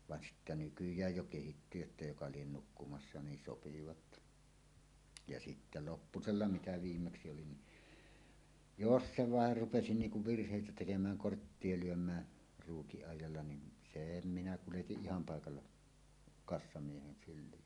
vaan sitten nykyään jo kehittyi jotta joka lie nukkumassa niin sopivat ja sitten lopuksi mitä viimeksi oli niin jos se vain rupesi niin kuin virheitä tekemään korttia lyömään ruukin ajalla niin sen minä kuljetin ihan paikalla kassamiehen syliin